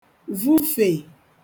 vufè